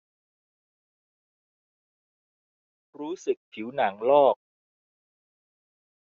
รู้สึกผิวหนังลอก